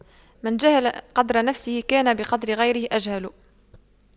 من جهل قدر نفسه كان بقدر غيره أجهل